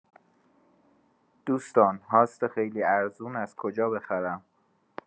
دوستان هاست خیلی ارزون از کجا بخرم؟